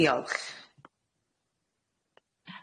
Diolch.